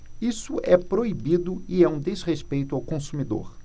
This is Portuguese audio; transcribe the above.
isso é proibido e é um desrespeito ao consumidor